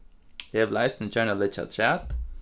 eg vil eisini gjarna leggja afturat